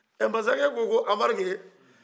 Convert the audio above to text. ɛɛ masakɛ ko ko anbarike